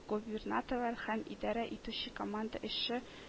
Губернаторлар һәм идарә итүче команда эше